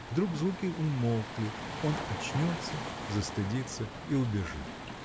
Вдруг звуки умолкли, он очнется, застыдится и убежит.